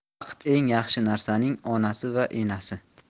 vaqt eng yaxshi narsaning onasi va enasi